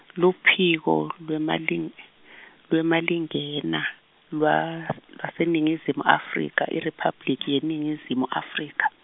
Luphiko lwemaling-, lweMalingena, lwa lwaseNingizimu Afrika IRiphabliki yeNingizimu Afrika.